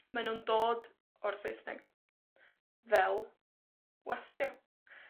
mae nw'n dod o'r Saesneg, fel wastio.